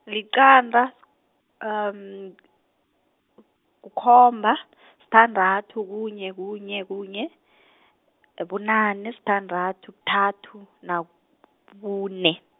liqanda , kukhomba , sithandathu, kunye, kunye, kunye, bunane, sithandathu, kuthathu nakune.